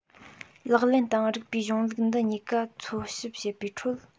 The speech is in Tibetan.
ལག ལེན དང རིགས པའི གཞུང ལུགས འདི གཉིས ཀ འཚོལ ཞིབ བྱེད པའི ཁྲོད